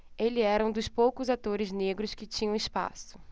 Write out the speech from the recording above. ele era um dos poucos atores negros que tinham espaço